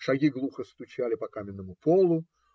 Шаги глухо стучали по каменному полу.